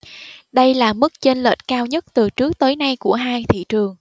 đây là mức chênh lệch cao nhất từ trước tới nay của hai thị trường